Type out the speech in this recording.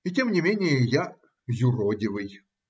И тем не менее - я "юродивый".